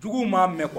Juguw m'a mɛn